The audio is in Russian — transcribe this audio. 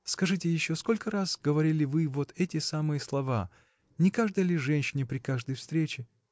— Скажите еще, сколько раз говорили вы вот эти самые слова: не каждой ли женщине при каждой встрече?